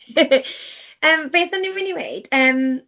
Yym, beth o'n i'n mynd i weud? Ymm...